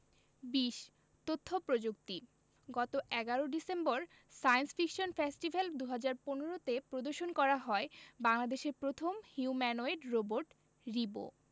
২০ তথ্য প্রযুক্তি গত ১১ ডিসেম্বর সায়েন্স ফিকশন ফেস্টিভ্যাল ২০১৫ তে প্রদর্শন করা হয় বাংলাদেশের প্রথম হিউম্যানোয়েড রোবট রিবো